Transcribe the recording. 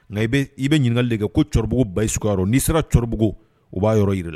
Ŋa i be i be ɲiniŋali de kɛ ko Coribugu Bahisu k'a yɔrɔ n'i sera Coribugu u b'a yɔrɔ yir'i la